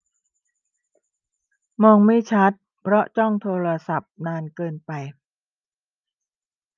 มองไม่ชัดเพราะจ้องโทรศัพท์นานเกินไป